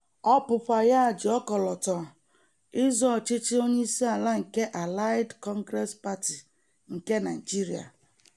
Ọ bụkwa ya ji ọkọlọtọ ịzọ ọchịchị onyeisiala nke Allied Congress Party nke Nigeria.